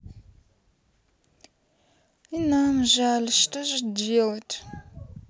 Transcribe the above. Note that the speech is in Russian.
и нам жаль что же делать